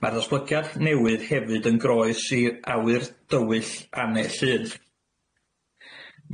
Ma'r ddatblygiad newydd hefyd yn groes i Awyr Dywyll Annedd Llŷn.